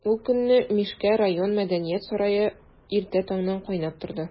Ул көнне Мишкә район мәдәният сарае иртә таңнан кайнап торды.